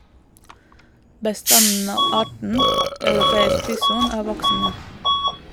Bestanden av arten europeisk bison er voksende.